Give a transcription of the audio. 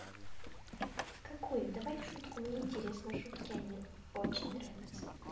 какую давай шутку мне интересно шутки они очень нравятся